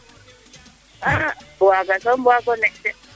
a waaga soom wago ne de